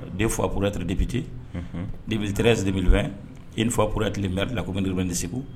Den fa p tire dipte dibi tresi deele fɛ i nif pɛti min bɛri la ko n n di segu